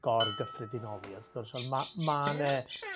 gorgyffredinoli wrth gwrs on' ma' ma' 'ne